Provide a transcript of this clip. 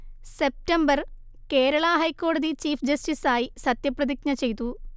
September Kerala ഹൈക്കോടതി chief ജസ്റ്റിസായി സത്യപ്രതിജ്ഞ ചെയ്തു